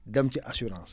dem ci assurance